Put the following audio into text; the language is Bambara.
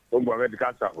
Ko mɔ bɛ k'a sa